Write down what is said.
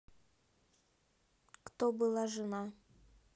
кто была жена